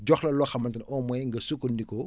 jox la loo xamante ne au moins nga sukkandikoo